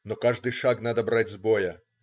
Но каждый шаг надо брать с боя.